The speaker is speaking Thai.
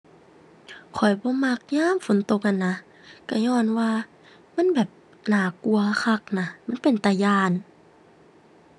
ข้อยบ่มักยามฝนตกอะนะ ก็ญ้อนว่า มันแบบน่ากลัวคักนะ มันเป็นตาย้าน